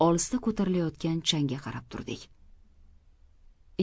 olisda ko'tarilayotgan changga qarab turdik